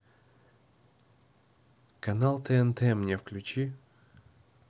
канал тнт мне включи